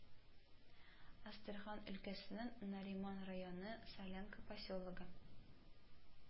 Әстерхан өлкәсенең Нариман районы Солянка поселогы